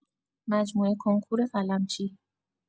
مجموعه کنکور قلمچی